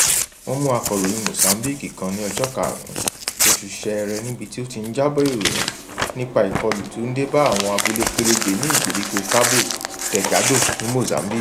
Wọ́n mú akọ̀ròyìn Mozambique kan ní ọjọ́ 5 oṣù Ṣẹẹrẹ níbi tí ó ti ń jábọ̀ ìròyìn nípa ìkọlù tí ó ń dé bá àwọn abúlé kéréje ní ìgbèríko Cabo Delgado ní Mozambique.